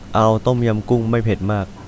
เอาต้มยำกุ้งไม่เผ็ดมาก